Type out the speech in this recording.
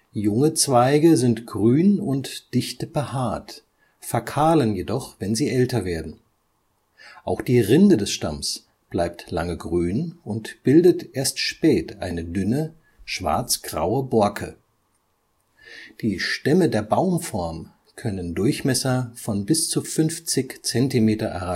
Junge Zweige sind grün und dicht behaart, verkahlen jedoch, wenn sie älter werden. Auch die Rinde des Stamms bleibt lange grün und bildet erst spät eine dünne schwarzgraue Borke. Die Stämme der Baumform können Durchmesser von bis zu 50 cm